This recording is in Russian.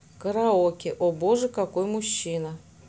караоке о боже какой мужчина